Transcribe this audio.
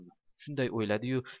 shunday o'yladi yu